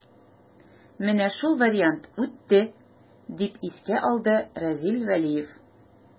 Менә шул вариант үтте, дип искә алды Разил Вәлиев.